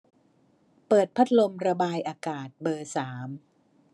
เปิดพัดลมระบายอากาศเบอร์สาม